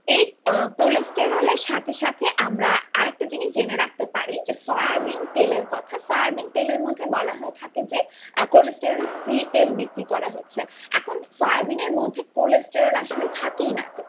এই কোলেস্টেরলের সাথে সাথে আমরা আরেকটা জিনিস জেনে রাখতে পারি যে সয়াবিন তেলের কথা সয়াবিন তেলের মধ্যে বলা হয়ে থাকে যে কোলেস্টরেল ফ্রী তেল বিক্রি করা হচ্ছে এখন সোয়াবিনের মধ্যে কোলেস্টেরল আসলে থাকেই না